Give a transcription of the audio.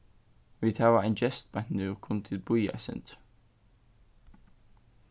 vit hava ein gest beint nú kunnu tit bíða eitt sindur